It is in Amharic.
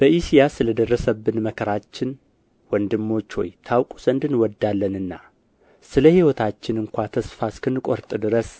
በእስያ ስለ ደረሰብን መከራችን ወንድሞች ሆይ ታውቁ ዘንድ እንወዳለንና ስለ ሕይወታችን እንኳ ተስፋ እስክንቆርጥ ድረስ